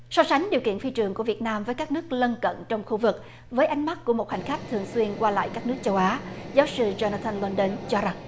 so sánh điều kiện phi trường của việt nam với các nước lân cận trong khu vực với ánh mắt của một hành khách thường xuyên qua lại các nước châu á giáo sư giôn na thăng mân đân cho rằng